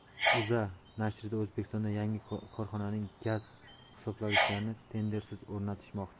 uza nashrida o'zbekistonda yangi korxonaning gaz hisoblagichlarini tendersiz o'rnatishmoqchi